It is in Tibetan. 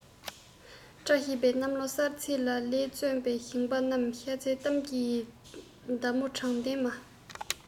བཀྲ ཤིས པའི གནམ ལོ གསར ཚེས ལས ལས བརྩོན པའི ཞིང པ རྣམས ཤ ཚའི གཏམ གྱི མདའ མོ དྲང བདེན མ